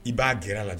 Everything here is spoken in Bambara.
I b'a jira a lajɛ